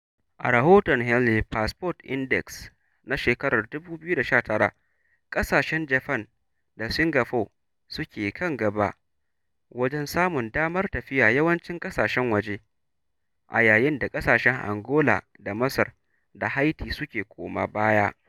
A rahoton Henley Passport Index na shekarar 2019, ƙasashen Japan da Singapore su ke kan gaba wajen samun damar tafiya yawancin ƙasashen waje, a yayin da ƙasashen Angola da Masar da Haiti su ke koma baya.